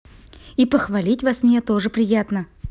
и похвалить вас мне тоже приятно